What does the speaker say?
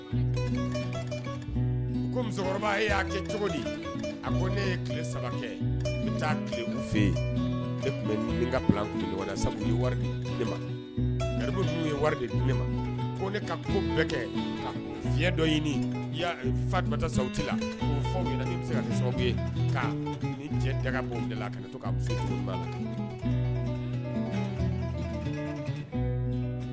Musokɔrɔba y'a kɛ cogo ne ye tile saba kɛ bɛ taa fɛu ye wari ma ne bɛ kɛ fi dɔ ɲinita sa la bɛ se sababu k' daga toba